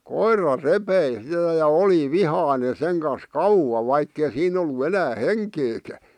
koira repi sitä ja oli vihainen sen kanssa kauan vaikka ei siinä ollut enää henkeäkään